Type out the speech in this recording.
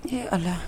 E ala la